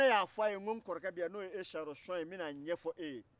ne y'a fɔ a ye ko n bɛna a ɲɛfɔ n kɔrɔ siyanro shɔn ɲɛna